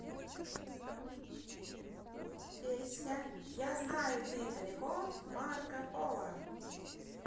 песня я знаю ты далеко марко поло